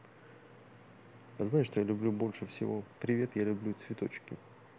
а знаешь что я люблю больше всего привет я люблю цветочки